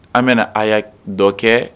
An bɛna a y'a dɔ kɛ